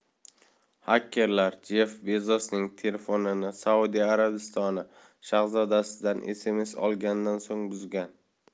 xakerlar jeff bezosning telefonini saudiya arabistoni shahzodasidan sms olganidan so'ng buzgan